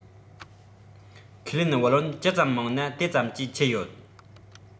ཁས ལེན བུ ལོན ཇི ཙམ མང ན དེ ཙམ གྱིས ཆད ཡོད